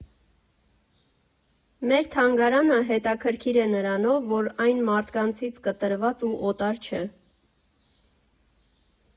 Մեր թանգարանը հետաքրքիր է նրանով, որ այն մարդկանցից կտրված ու օտար չէ։